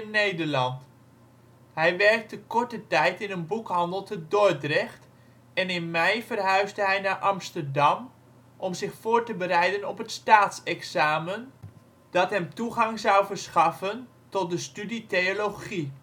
Nederland. Hij werkte korte tijd in een boekhandel te Dordrecht en in mei verhuisde hij naar Amsterdam om zich voor te bereiden op het staatsexamen, dat hem toegang zou verschaffen tot de studie theologie